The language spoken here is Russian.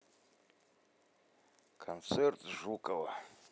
концерт жукова